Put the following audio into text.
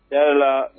Yala